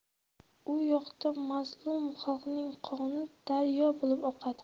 u yoqda mazlum xalqning qoni daryo bo'lib oqadi